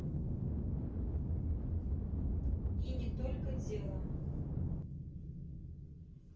и не только дело